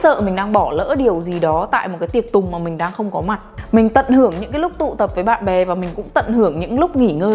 nỗi sợ mình đang bỏ lỡ điều gì đó tại một cái tiệc tùng mà mình đang không có mặt mình tận hưởng những lúc tụ tập với bạn bè và mình cũng tận hưởng những lúc nghỉ ngơi